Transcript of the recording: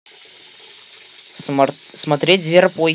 смотреть зверопой